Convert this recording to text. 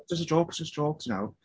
"it's just a joke just jokes you know".